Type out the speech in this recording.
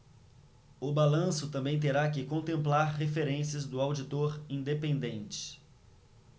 o balanço também terá que contemplar referências do auditor independente